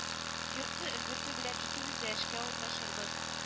Йортны өлгертү белән икебез дә эшкә урнашырбыз